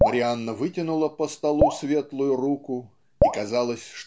Марианна вытянула по столу светлую руку и казалось